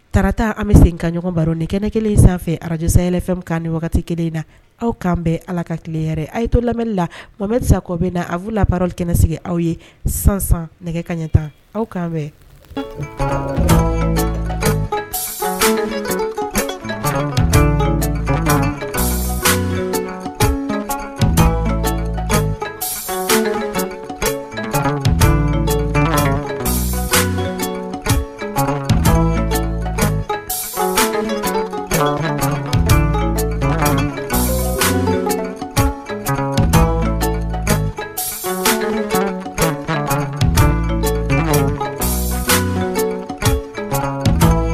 Taarata an bɛ sen ka ɲɔgɔn baro nikɛnɛ kelen in sanfɛfɛ arajsay yɛlɛfɛn kan ni wagati kelen na aw k kan bɛn ala ka tilele yɛrɛɛrɛ a ye to labli la mɔgɔmɛtisa kɔ bɛ na abu la baaralikɛnɛsɛ aw ye sisansan nɛgɛ kaɲɛ tan aw k kan bɛn